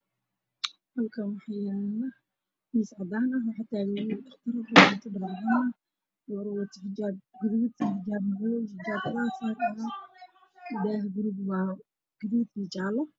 Halkaan waxaa yaalo miis cadaan ah waxaa taagan wiil dhaqtar ah waxuu wataa dhar cadaan, gabartuna waxay wadataa xijaab gaduud, madow, cadeys. Daaha guriga waa gaduud iyo jaale.